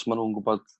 os ma' nw'n gwbod